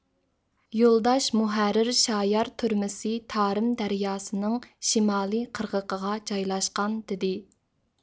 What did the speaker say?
يولداش مۇھەررىر شايار تۈرمىسى تارىم دەرياسىنىڭ شىمالىي قىرغىقىغا جايلاشقان دېدى